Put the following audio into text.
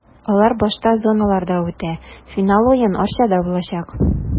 Алар башта зоналарда үтә, финал уен Арчада булачак.